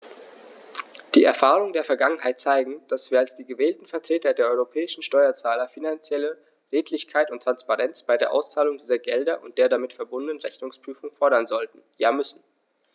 Die Erfahrungen der Vergangenheit zeigen, dass wir als die gewählten Vertreter der europäischen Steuerzahler finanzielle Redlichkeit und Transparenz bei der Auszahlung dieser Gelder und der damit verbundenen Rechnungsprüfung fordern sollten, ja müssen.